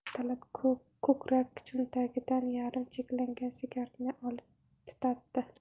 talat ko'krak cho'ntagidan yarim chekilgan sigaretni olib tutatdi